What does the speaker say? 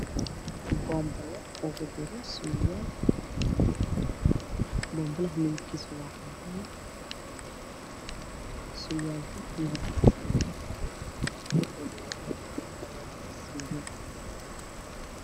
Waxaa ii muuqday surwaal midabkiisu yahay cadays